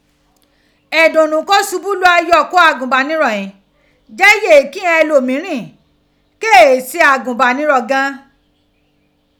Idunnu ko ṣubu layọ ko agunbanirọ ghin jẹ yee kighan ẹlomirin ke e ṣe agunbanirọ gan